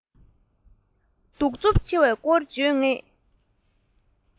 སྡུག རྩུབ ཆེ བའི སྐོར བརྗོད ངེས